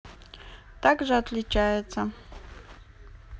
также отличается